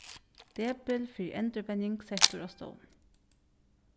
depil fyri endurvenjing settur á stovn